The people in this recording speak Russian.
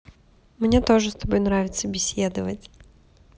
мне тоже с тобой нравится беседовать